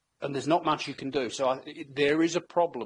And there's not much you can do. So I- there is a problem.